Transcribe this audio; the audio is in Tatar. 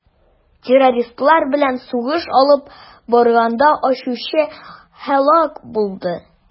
Террористлар белән сугыш алып барганда очучы һәлак булды.